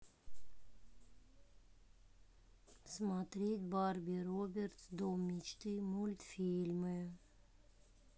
смотреть барби робертс дом мечты мультфильмы